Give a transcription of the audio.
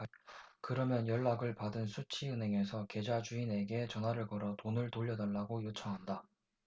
그러면 연락을 받은 수취 은행에서 계좌 주인에게 전화를 걸어 돈을 돌려 달라고 요청한다